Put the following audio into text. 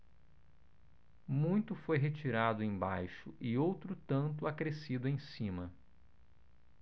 muito foi retirado embaixo e outro tanto acrescido em cima